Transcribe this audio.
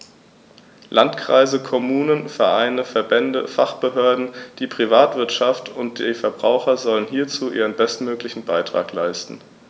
Landkreise, Kommunen, Vereine, Verbände, Fachbehörden, die Privatwirtschaft und die Verbraucher sollen hierzu ihren bestmöglichen Beitrag leisten.